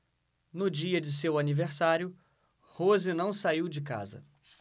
no dia de seu aniversário rose não saiu de casa